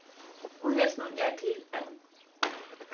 og hesin er til enn